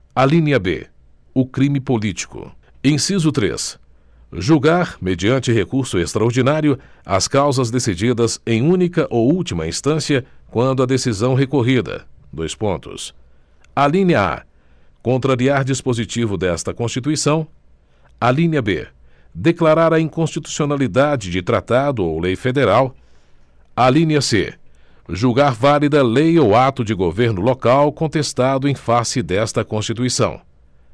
alínea b o crime político inciso três julgar mediante recurso extraordinário as causas decididas em única ou última instância quando a decisão recorrida dois pontos alínea a contrariar dispositivo desta constituição alínea b declarar a inconstitucionalidade de tratado ou lei federal alínea c julgar válida lei ou ato de governo local contestado em face desta constituição